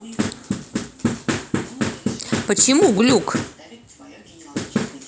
почему глюк